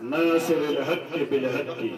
Baasi sɛ hakili hakili